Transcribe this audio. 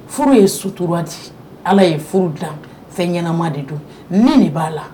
Furu ye suturawa di ala ye furu dilan fɛn ɲɛnama de don ni de b'a la